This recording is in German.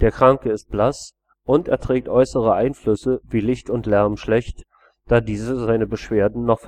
Kranke ist blass und erträgt äußere Einflüsse wie Licht und Lärm schlecht, da diese seine Beschwerden noch